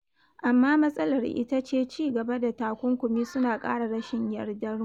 Amma matsalar ita ce ci gaba da takunkumi suna kara rashin yardarmu.”